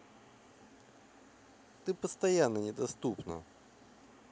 ты постоянно недоступна